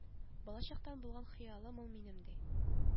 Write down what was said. Балачактан булган хыялым ул минем ди